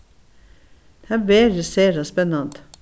tað verður sera spennandi